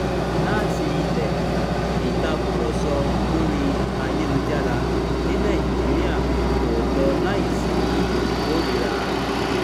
Láti ilẹ̀, ìtàkùrọ̀sọ lórí ayélujára ní Nàìjíríà kò lọ láì sí ìkórìíra.